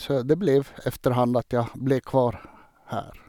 Så det ble efterhand at jeg ble kvar her.